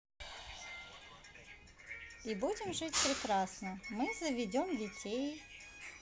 и будем жить прекрасно мы заведем детей